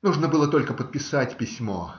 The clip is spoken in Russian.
Нужно было только подписать письмо.